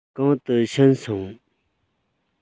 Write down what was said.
གང དུ ཕྱིན སོང